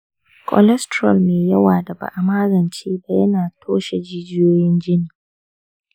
cholesterol mai yawa da ba'a magance ba ya na toshe jijiyoyin jini